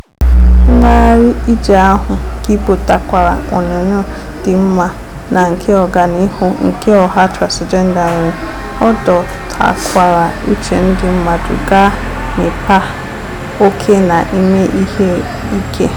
Ngagharị ije ahụ gipụtakwara onyinyo dị mma na nke ọganihu nke ọha transịjenda nwere; ọ dọtakwara uche ndị mmadụ gaa n'ịkpa oke na ime ihe ike.